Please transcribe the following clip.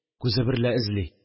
Күзе берлә эзли